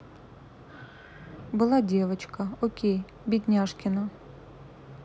была девочка окей бедняжкина